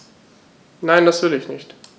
Nein, das will ich nicht.